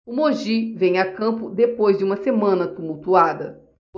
o mogi vem a campo depois de uma semana tumultuada